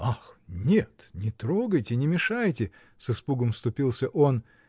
— Ах нет, не трогайте, не мешайте! — с испугом вступился он.